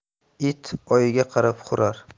it oyga qarab hurar